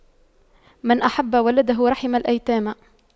من أحب ولده رحم الأيتام